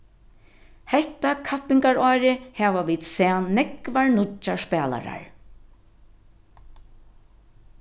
hetta kappingarárið hava vit sæð nógvar nýggjar spælarar